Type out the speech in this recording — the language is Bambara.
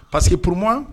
Pari que p